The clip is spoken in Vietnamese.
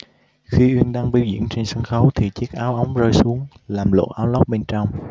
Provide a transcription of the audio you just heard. khi uyên đang biểu diễn trên sân khấu thì chiếc áo ống rớt xuống làm lộ áo lót bên trong